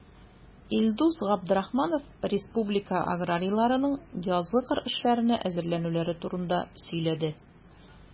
Илдус Габдрахманов республика аграрийларының язгы кыр эшләренә әзерләнүләре турында сөйләде.